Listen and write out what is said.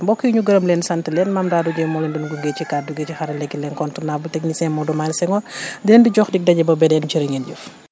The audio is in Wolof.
mbokk yi ñu gërëm leen sant leen Mame Dado Guèye moo leen doon gunge ci kàddu gi ci xarale gi l' incontournable technicien Maodo Malick Senghor di leen di jox dig daje ba beneen jërë ngeen jëf